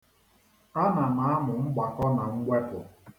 Ana m amụ mgbakọ na mwepụ.